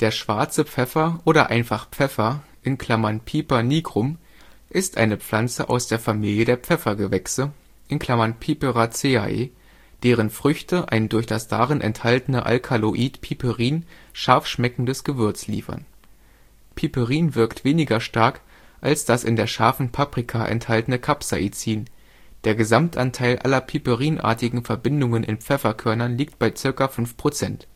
Schwarze Pfeffer oder einfach Pfeffer (Piper nigrum) ist eine Pflanze aus der Familie der Pfeffergewächse (Piperaceae), deren Früchte ein durch das darin enthaltene Alkaloid Piperin scharf schmeckendes Gewürz liefern. Piperin wirkt weniger stark als das in der scharfen Paprika enthaltene Capsaicin, der Gesamtanteil aller piperinartigen Verbindungen in Pfefferkörnern liegt bei ca. 5 %